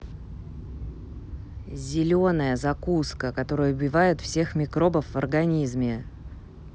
зеленая закуска которая убивает всех микробов в организме